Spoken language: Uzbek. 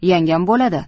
yangam boladi